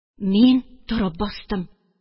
Мин торып бастым